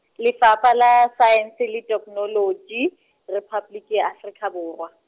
Lefapha la Saense le Theknoloji, Rephaboliki ya Afrika Borwa.